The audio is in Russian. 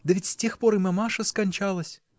-- Да, ведь с тех пор и мамаша скончалась.